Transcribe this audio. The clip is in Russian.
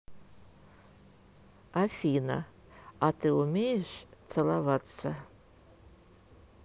афина а ты умеешь целоваться